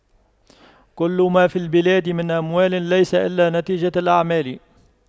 كل ما في البلاد من أموال ليس إلا نتيجة الأعمال